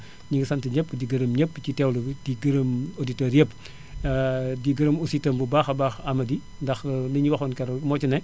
ñu ngi san ñëpp di gërëm ñëpp si teewlu bi di gërëm auditeurs yëpp di gërëm aussi itam bu baax a baax amady ndax li ñu waxoon keroog moo ci ne